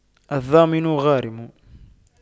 الضامن غارم